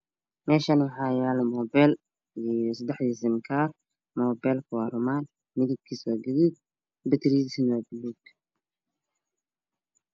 Meshan waxaa yalo mobel iho sedaxdiisa simikar mobelka waxaa waye ruman midabkiisu waa gaduud beterigiisu waa gaduud